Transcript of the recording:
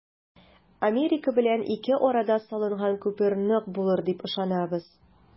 Америка белән ике арада салынган күпер нык булыр дип ышанабыз.